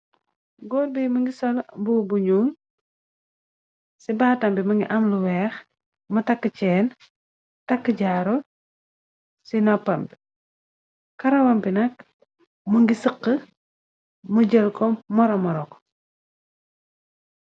góor bi mu ngi sol bu bu ñu ci baatam bi ma ngi am lu weex ma tàkk ceen takk jaaro ci noppambi karawambi nak mu ngi sëk mu jël ko moromorog